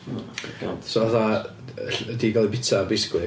Oh god... So fatha 'di gael eu byta basically...